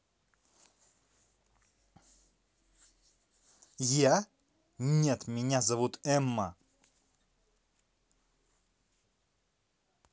я не меня зовут эмма